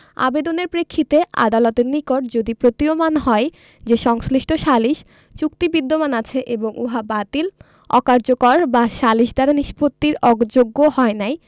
আবেদনের প্রেক্ষিতে আদালতের নিকট যদি প্রতীয়মান হয় যে সংশ্লিষ্ট সালিস চুক্তি বিদ্যমান আছে এবং উহা বাতিল অকার্যকর বা সালিস দ্বারা নিষ্পত্তির অযোগ্য হয় নাই